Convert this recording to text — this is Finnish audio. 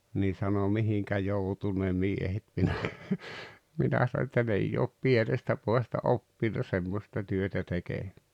niin sanoi mihinkä joutui ne miehet minä minä sanoin että ne ei ole pienestä pojasta oppinut semmoista työtä tekemään